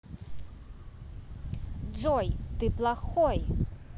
джой ты плохой